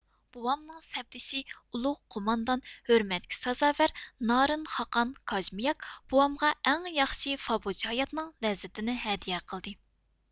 بوۋامنىڭ سەپدىشى ئۇلۇغ قوماندان ھۆرمەتكە سازاۋەر نارىن خاقان كاژېمياك بوۋامغا ئەڭ ياخشى فابۇچ ھاياتنىڭ لەززىتىنى ھەدىيە قىلدى